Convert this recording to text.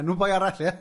Enw boi arall, ie?